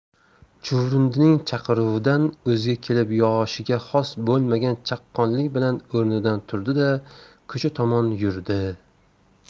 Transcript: chuvrindining chaqiruvidan o'ziga kelib yoshiga xos bo'lmagan chaqqonlik bilan o'rnidan turdi da ko'cha tomon yurdi